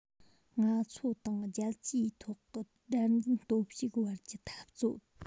ང ཚོ དང རྒྱལ སྤྱིའི ཐོག གི དགྲར འཛིན སྟོབས ཤུགས བར གྱི འཐབ རྩོད